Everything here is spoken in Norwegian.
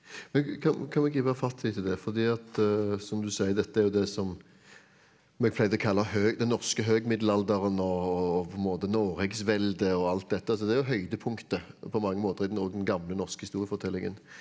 men kan kan vi gripe fatt litt i det fordi at som du sier dette er jo det som vi pleide å kalle den norske høgmiddelalderen og på en måte Norgesveldet og alt dette så det er jo høydepunktet på mange måter i den gamle norske historiefortellingen.